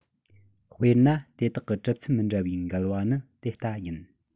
དཔེར ན དེ དག གི གྲུབ ཚུལ མི འདྲ བའི མགལ མ ནི དེ ལྟ ཡིན